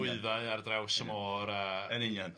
...nwyddau ar draws y môr a... Yn union.